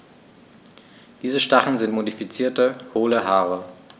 Diese Stacheln sind modifizierte, hohle Haare.